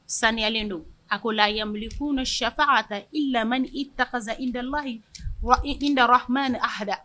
Saniyalen don a ko